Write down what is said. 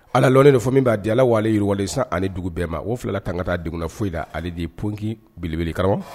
Ala lani de fɔ min b'a di ala waleale yiriwalesa ani dugu bɛɛ ma o fila tan ka taa de foyi la ale di ppki belebka